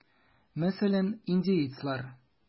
Мәсәлән, индеецлар.